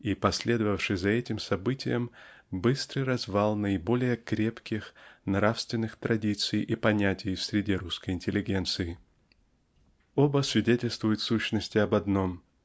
и последовавший за этим событием быстрый развал наиболее крепких нравственных традиций и понятий в среде русской интеллигенции. Оба свидетельствуют в сущности об одном